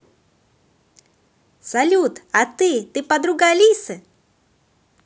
салют а ты ты подруга алисы